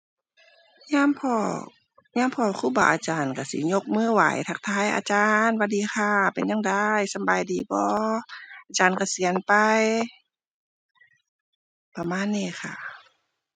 ยามพ้อ ยามพ้อครูบาอาจารย์ก็สิยกมือไหว้ ทักทาย อาจารย์ หวัดดีค่ะ เป็นจั่งใด สำบายดีบ่ อาจารย์เกษียณไป ประมาณนี้ค่ะ